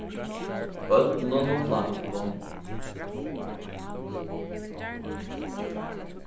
børnum og plantum